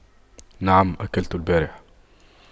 نعم أكلت البارحة